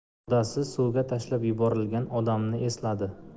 murdasi suvga tashlab yuborilgan odamni esladi